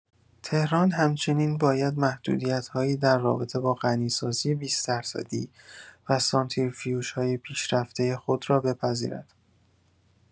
تهران همچنین باید محدودیت‌هایی در رابطه با غنی‌سازی ۲۰ درصدی و سانتریفیوژهای پیشرفته خود را بپذیرد.